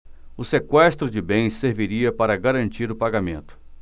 o sequestro de bens serviria para garantir o pagamento